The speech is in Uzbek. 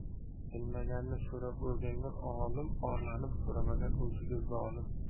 bilmaganni so'rab o'rgangan olim orlanib so'ramagan o'ziga zolim